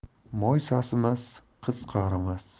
moy sasimas qiz qarimas